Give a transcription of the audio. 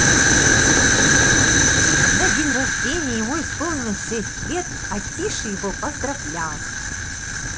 куда день рождения ему исполнилось шесть лет а тише его поздравлял